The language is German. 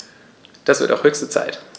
Das wird auch höchste Zeit!